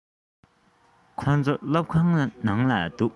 ཁོ ཚོ སློབ ཁང ནང ལ འདུག